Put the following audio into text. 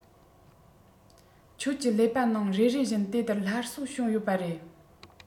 ཁྱོད ཀྱི ཀླད པ ནང རེ རེ བཞིན དེ སླར གསོ བྱུང ཡོད པ རེད